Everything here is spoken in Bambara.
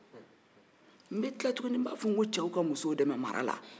n tila tuguni k'a fɔ ko cɛw ka musow dɛmɛ mara la